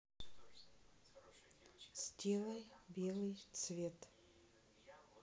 сделай белый цвет